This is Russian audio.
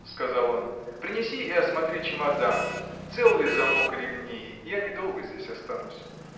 — сказал он, — принеси и осмотри чемодан, цел ли замок и ремни: я недолго здесь останусь.